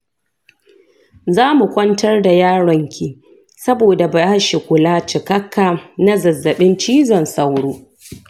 zamu kwantar da yaron ki saboda bashi kula cikakka na zazzabin cizon sauro